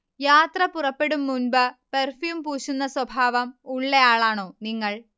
യാത്ര പുറപ്പെടും മുൻപ് പെർഫ്യൂം പൂശുന്ന സ്വഭാവം ഉള്ളയാളാണോ നിങ്ങൾ